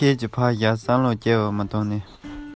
ལྗོན པ མང པོ བརྒྱུད ནས སོང བ ན